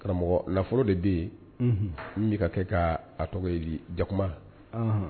Karamɔgɔ nafolo de bɛ yen min bɛka ka kɛ ka ,tɔgɔ ye di jakuma, anhan.